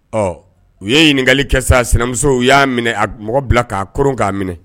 Ɔ u ye ɲininkali kɛ sa sinamuso u y'a minɛ, a, mɔgɔ bila k'a koron k'a minɛ